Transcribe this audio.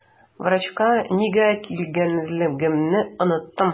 Врачка нигә килгәнлегемне оныттым.